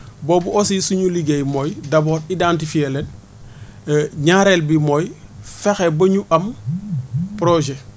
boobu aussi suñu liggéey mooy d' abord identifier leen ñaareel bi mooy fexe ba ñu am projet